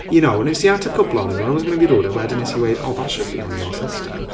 You know wnes i ateb cwpl ohonyn nhw I wasn't going to rude a wedyn wnes i weud "oh that should be on your system."